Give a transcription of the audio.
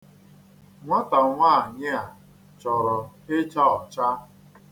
Nwata nwaanyị a chọrọ ịcha ọcha.